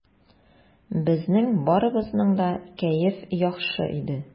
Безнең барыбызның да кәеф яхшы иде.